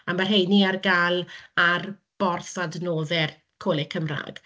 a ma' rheiny ar gael ar borth adnoddau Coleg Cymraeg.